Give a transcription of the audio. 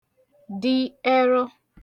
dị ẹrọ